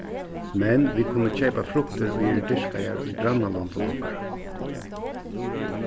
men vit kunnu keypa fruktir ið eru dyrkaðar í grannalondum okkara